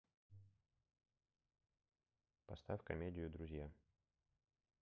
поставь комедию друзья